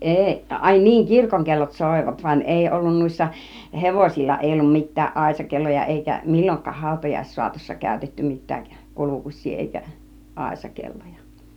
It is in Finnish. ei ai niin kirkonkellot soivat vaan ei ollut noissa hevosilla ei ollut mitään aisakelloja eikä milloinkaan hautajaissaatossa käytetty mitään kulkusia eikä aisakelloja